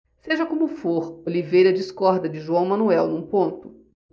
seja como for oliveira discorda de joão manuel num ponto